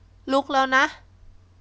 ลุกแล้วนะ